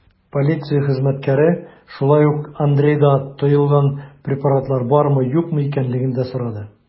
Полиция хезмәткәре шулай ук Андрейда тыелган препаратлар бармы-юкмы икәнлеген дә сорады.